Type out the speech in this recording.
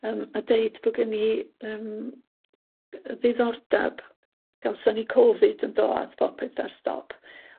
yym a deud bo' gyn ni yym yy ddiddordab gawson ni Covid yndo ath popeth ar stop